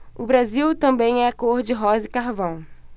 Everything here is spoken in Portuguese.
o brasil também é cor de rosa e carvão